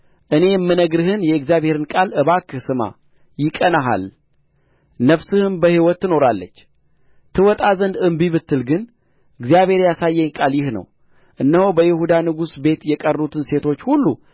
እኔ የምነግርህን የእግዚአብሔርን ቃል እባክህ ስማ ይቀናሃል ነፍስህም በሕይወት ትኖራለች ትወጣ ዘንድ እንቢ ብትል ግን እግዚአብሔር ያሳየኝ ቃል ይህ ነው እነሆ በይሁዳ ንጉሥ ቤት የቀሩትን ሴቶች ሁሉ